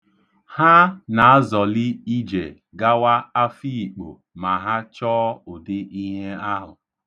Anyị na-azọli ije gawa Afiikpo ma ha chọọ ụdị ihe ahụ.